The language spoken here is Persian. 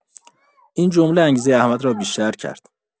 این جمله انگیزۀ احمد را بیشتر کرد.